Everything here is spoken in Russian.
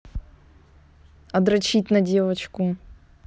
а дрочить на девочку